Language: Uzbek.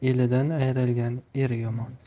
elidan ayrilgan er yomon